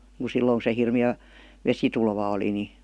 niin kuin silloin kun se hirmeä vesitulva oli niin